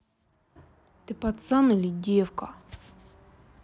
ты пацан или девка